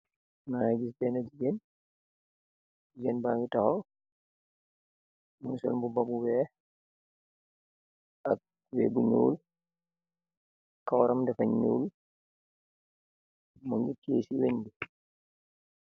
Maangy gis benah gigain, gigain baangy tokk, mungy sol mbuba bu wekh ak tubeiy bu njull, karawam dafa njull, mungy tiyeh ci weungh bi.